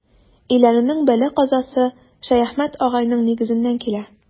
Өйләнүнең бәла-казасы Шәяхмәт агайның нигезеннән килә.